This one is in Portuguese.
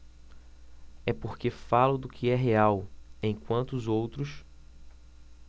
é porque falo do que é real enquanto os outros